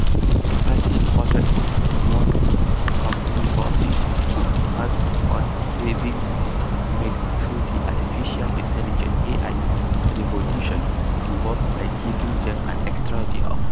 The party reportedly wants company bosses to pass on savings made through the artificial intelligence (AI) revolution to workers by giving them an extra day off.